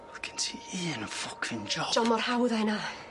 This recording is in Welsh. O' gen ti un yn ffwcin job. Ji o mor hawdd a hynna.